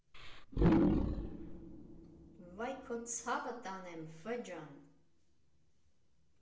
Վայ քո ցավը տանեմ, Ֆը ջան։